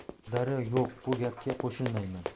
daryo yo'q bu gapga qo'shilmayman